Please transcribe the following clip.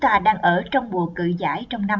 chúng ta đang ở trong mùa cự giải trong năm